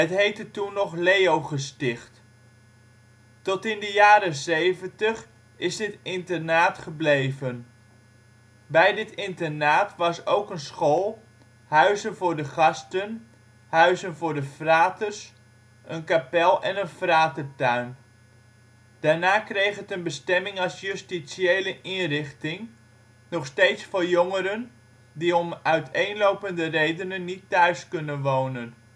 heette toen nog Leo-Gesticht. Tot in de jaren ' 70 is dit internaat gebleven. Bij dit internaat was ook een school, huizen voor de gasten, huizen voor de fraters, een kapel en een fratertuin. Daarna kreeg het een bestemming als justitiële inrichting, nog steeds voor jongeren die om uiteenlopende redenen niet thuis kunnen wonen